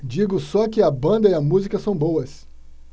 digo só que a banda e a música são boas